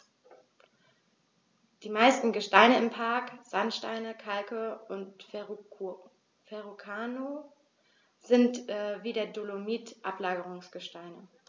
Die meisten Gesteine im Park – Sandsteine, Kalke und Verrucano – sind wie der Dolomit Ablagerungsgesteine.